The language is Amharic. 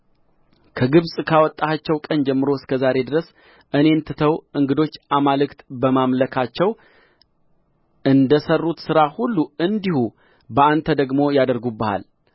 ከግብጽ ካወጣኋቸው ቀን ጀምሮ እስከ ዛሬ ድረስ እኔን ትተው እንግዶች አማልክት በማምለካቸው እንደ ሠሩት ሥራ ሁሉ እንዲሁ በአንተ ደግሞ ያደርጉብሃል